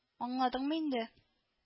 – аңладыңмы инде